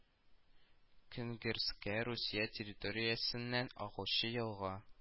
Көнгерка Русия территориясеннән агучы елга